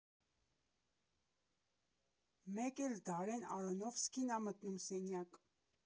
Մեկ էլ Դարեն Արոնոֆսկին ա մտնում սենյակ…